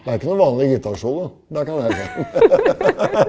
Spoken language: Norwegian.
det er ikke noe vanlig gitarsolo, det kan jeg si .